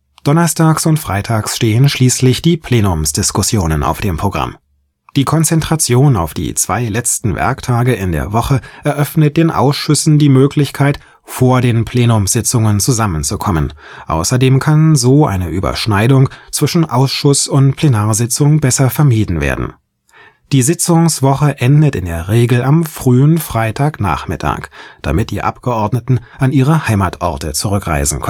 Donnerstags und freitags stehen schließlich die Plenumsdiskussionen auf dem Programm. Die Konzentration auf die zwei letzten Werktage in der Woche eröffnet den Ausschüssen die Möglichkeit, vor den Plenumssitzungen zusammenzukommen, außerdem kann so eine Überschneidung zwischen Ausschuss - und Plenumssitzungen besser vermieden werden. Die Sitzungswoche endet in der Regel am frühen Freitagnachmittag, damit die Abgeordneten an ihre Heimatorte zurückreisen